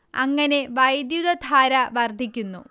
അങ്ങനെ വൈദ്യുതധാര വർദ്ധിക്കുന്നു